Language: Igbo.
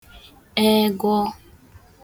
eghọ̄